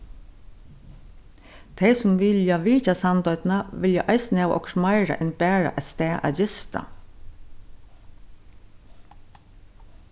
tey sum vilja vitja sandoynna vilja eisini hava okkurt meira enn bara eitt stað at gista